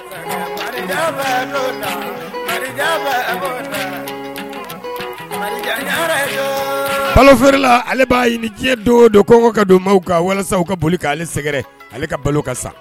Balo feerela ale b'a ɲini diɲɛ don don ko ka don baw walasa ka boli kale sɛgɛrɛ ale ka balo ka sa